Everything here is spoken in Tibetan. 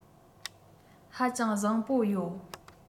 ཧ ཅང བཟང པོ ཡོད